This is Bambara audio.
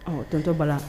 Ɔn tonton Bala